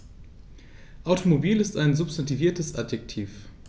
Automobil ist ein substantiviertes Adjektiv.